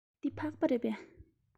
འདི ཕག པ རེད པས